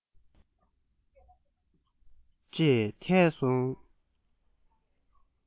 ཅེས ཐལ སོང